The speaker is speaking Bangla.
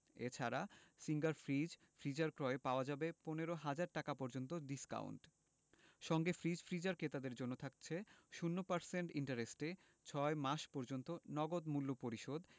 এ ছাড়া সিঙ্গার ফ্রিজফ্রিজার ক্রয়ে পাওয়া যাবে ১৫ ০০০ টাকা পর্যন্ত ডিসকাউন্ট সঙ্গে ফ্রিজ/ফ্রিজার ক্রেতাদের জন্য থাকছে ০% ইন্টারেস্টে ৬ মাস পর্যন্ত নগদ মূল্য পরিশোধ